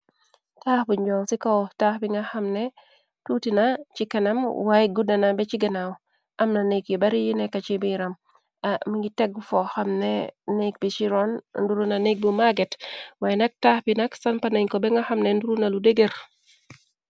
taax bi njoon ci ko taax bi nga xamne tuutina ci kanam waaye guddana be ci ganaaw amna nekk yi bari yi nekka ci biiram mi ngi tegg fo xamne nekk bi ci ron nduru na nek bu maget waaye nak taax bi nak sanpanañ ko bi nga xamne nduru na lu degër.